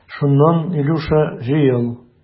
Шуннан, Илюша, җыел.